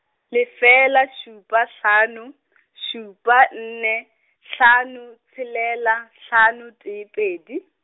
lefela šupa hlano , šupa nne, hlano tshelela, hlano tee pedi.